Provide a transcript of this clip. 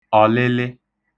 ọ̀lịlị